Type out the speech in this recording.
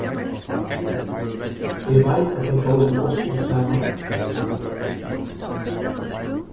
eg veit at tey fóru til oslo saman